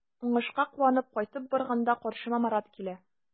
Уңышка куанып кайтып барганда каршыма Марат килә.